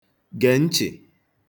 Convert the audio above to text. gè ntchị̀